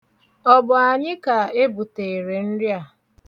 Ọ bụ anyị ka ebuteere nri a?